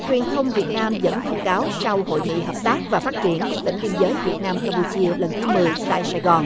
truyền thông việt nam dẫn thông cáo sau hội nghị hợp tác và phát triển các tỉnh biên giới việt nam cam pu chia lần thứ mười tại sài gòn